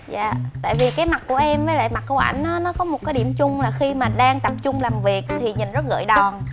dạ tại vì cái mặt của em với lại mặt của ảnh á nó có một cái điểm chung là khi mà đang tập trung làm việc thì nhìn rất gợi đòn